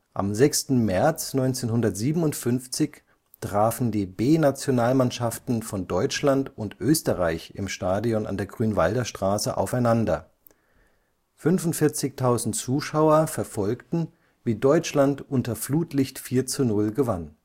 Am 6. März 1957 trafen die B-Nationalmannschaften von Deutschland und Österreich im Stadion an der Grünwalder Straße aufeinander, 45.000 Zuschauer verfolgten, wie Deutschland unter Flutlicht 4:0 gewann